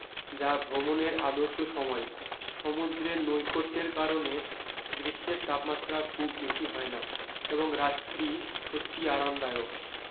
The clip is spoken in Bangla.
যা ভ্রমণের আদর্শ সময় সমুদ্রের নৈকট্যের কারণে গ্রীষ্মের তাপমাত্রা খুব বেশী হয় না এবং রাত্রি সত্যিই আরামদায়ক